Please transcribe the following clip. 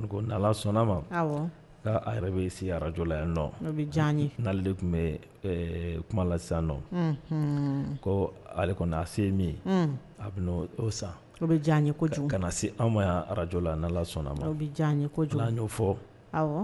Ko sɔnna ma' yɛrɛ bɛ si arajla yan nɔ bɛ diya n'ale de tun bɛ kumala sisan nɔ ko ale kɔni se min ye a bɛ o san o bɛ diya ye koju ka na se anw ma araj la ala sɔnna ma bɛ diya ye koj'o fɔ